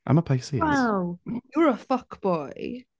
I'm a pisces... You're a fuckboy.